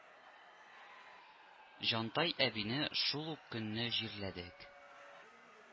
Җантай әбине шул ук көнне җирләдек